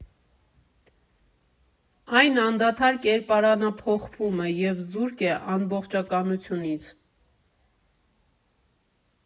Այն անդադար կերպարանափոխվում է և զուրկ է ամբողջականությունից։